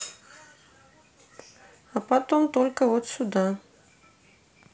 а потом только вот сюда